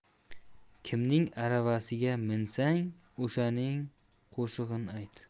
kimning aravasiga minsang o'shaning qo'shig'ini ayt